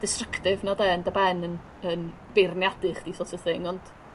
distructive 'na 'de yn dy ben yn yn beirniadu chdi so't of thing ond...